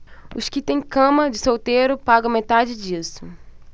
os que têm cama de solteiro pagam a metade disso